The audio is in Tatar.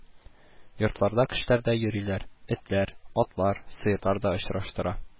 Йортларда кешеләр дә йөриләр, этләр, атлар, сыерлар да очраштыра